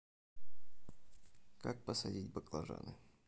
как посадить баклажаны